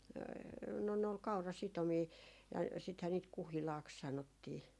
no ne oli kaurasitomia ja sittenhän niitä kuhilaaksi sanottiin